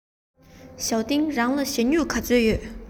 ཞའོ ཧུང རང ལ ཞྭ སྨྱུག ག ཚོད ཡོད